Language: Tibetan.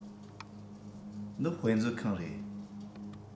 འདི དཔེ མཛོད ཁང རེད